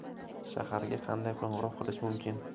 shaharga qanday qo'ng'iroq qilish mumkin